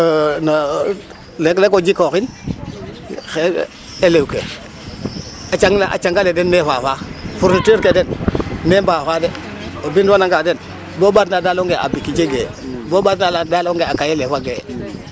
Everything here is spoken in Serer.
e% no leeg leego jokooxin xaye elew ke a cang ale den ne faafa fourniture ke den nee faafa de o binwananga den bo ɓaatna de layonge a bik jegee bo ɓaatna da layonge a cahiers le faga.